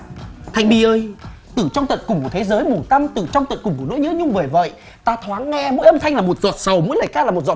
thanh my ơi từ trong tận cùng của thế giới mù tăm từ trong tận cùng của nỗi nhớ nhung vời vợi ta thoáng nghe mỗi âm thanh là một giọt sầu mỗi lời ca là một giọt